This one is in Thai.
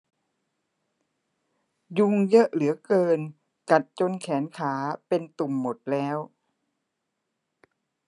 ยุงเยอะเหลือเกินกัดจนแขนขาเป็นตุ่มหมดแล้ว